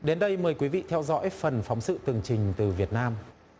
đến đây mời quý vị theo dõi phần phóng sự tường trình từ việt nam